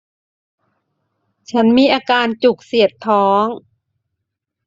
ฉันมีอาการจุกเสียดท้อง